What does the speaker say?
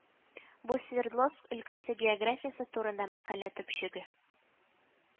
Бу Свердловск өлкәсе географиясе турында мәкалә төпчеге